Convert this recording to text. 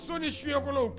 So ni suɲɛ